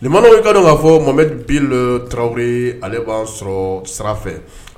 ka b'a fɔ bin don tarawele ale b'an sɔrɔ sara